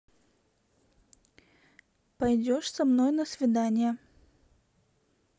пойдешь со мной на свидание